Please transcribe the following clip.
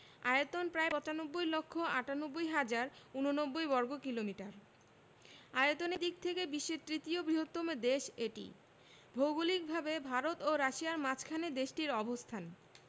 আয়তন প্রায় ৯৫ লক্ষ ৯৮ হাজার ৮৯ বর্গকিলোমিটার আয়তনের দিক থেকে বিশ্বের তৃতীয় বৃহত্তম দেশ এটি ভৌগলিকভাবে ভারত ও রাশিয়ার মাঝখানে দেশটির অবস্থান